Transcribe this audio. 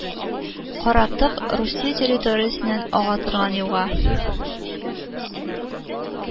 Каратык Русия территориясеннән ага торган елга